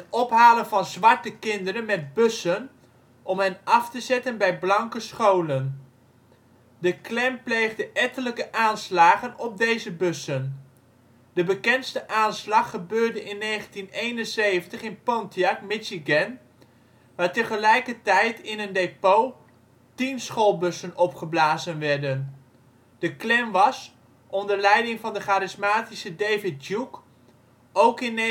ophalen van zwarte kinderen met bussen om hen af te zetten bij blanke scholen. De Klan pleegde ettelijke aanslagen op deze bussen. De bekendste aanslag gebeurde in 1971 in Pontiac, Michigan waar tegelijkertijd in een depot tien schoolbussen opgeblazen werden. De Klan was - onder leiding van de charismatische David Duke - ook in 1974